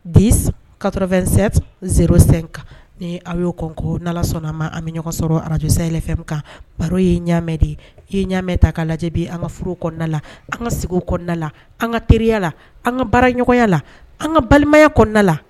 De kato2 sen kan ni a y'oko sɔnna a an bɛ ɲɔgɔn sɔrɔ arajsayɛlɛn min kan baro y ye ɲamɛ de ye i ɲamɛ ta ka lajɛ an ka furu kɔnɔnada la an ka segu kɔnɔnada la an ka teriya la an ka bara ɲɔgɔnya la an ka balimaya kɔnɔnada la